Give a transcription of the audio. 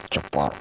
Cɛ